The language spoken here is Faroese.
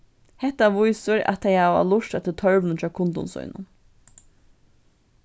hetta vísir at tey hava lurtað eftir tørvinum hjá kundum sínum